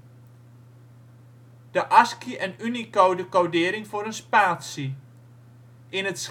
ASCII - en Unicodecodering voor een spatie. In het